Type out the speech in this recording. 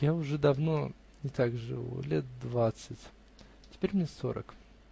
Я уже давно так живу - лет двадцать. Теперь мне сорок.